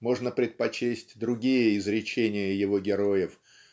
можно предпочесть другие изречения его героев